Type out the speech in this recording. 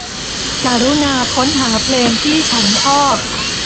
กรุณาค้นหาเพลงที่ฉันชอบ